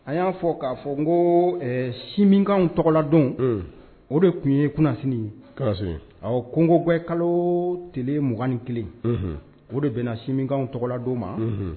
A y'a fɔ k'a fɔ n ko simikan tɔgɔladon o de tun ye kun ye koko bɛ kalo t 2 ni kelen o de bɛna na simi tɔgɔladon ma